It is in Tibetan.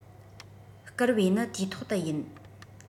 བསྐུར བའི ནི དུས ཐོག ཏུ ཡིན